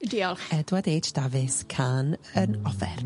Diolch. Edward Heitch Davis. Cân yn Ofer.